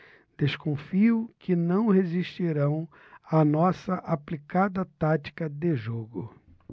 desconfio que não resistirão à nossa aplicada tática de jogo